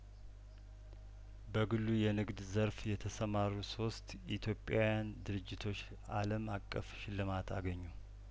በግሉ የንግድ ዘርፍ የተሰማሩ ሶስት ኢትዮጵያውያን ድርጅቶች አለም አቀፍ ሽልማት አገኙ